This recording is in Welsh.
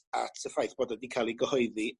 at y ffaith bod o 'di ca'l 'i gyhoeddi